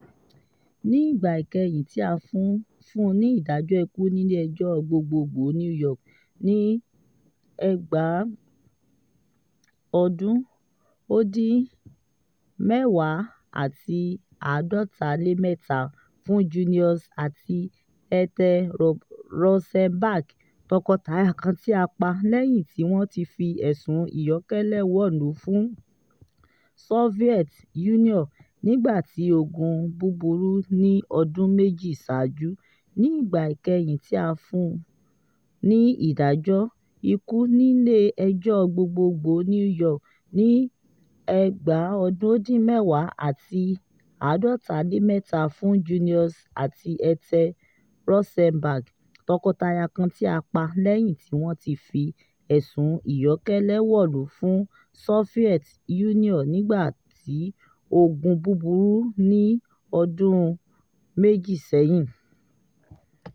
Ní ìgbà ìkẹyìn tí a fun ní ìdájọ́ ikú nílé ẹjọ́ Gbogboogbo New York ní 1953 fún Julius àti Ethel Rosenberg, tọkọtaya kan tí a pa lẹyìn tí wọn ti fi ẹ̀sùn ìyọ́kẹ́lẹ́ wọ̀lú fún Soviet Union nígbà ogun búburú ní ọdún méjì ṣáájú.